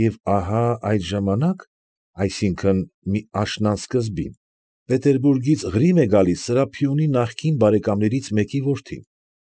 Եվ ահա այդ ժամանակ, այսինքն՝ մի աշնան սկզբին, Պետերբուբգից Ղրիմ է գալիս Սրափիոնի նախկին բարեկամներից մեկի որդին։